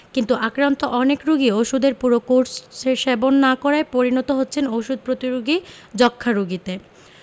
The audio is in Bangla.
কিন্তু আক্রান্ত অনেক রোগী ওষুধের পুরো কোর্স সেবন না করায় পরিণত হচ্ছেন ওষুধ প্রতিরোধী যক্ষ্মা রোগীতে